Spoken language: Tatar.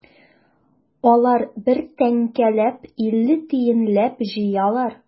Алар бер тәңкәләп, илле тиенләп җыялар.